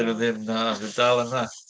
'Dyn nhw ddim, na. Maen nhw dal yna.